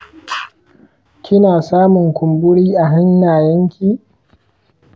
kina samun kumburi a hannayenki?